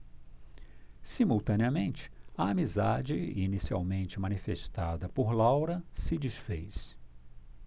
simultaneamente a amizade inicialmente manifestada por laura se disfez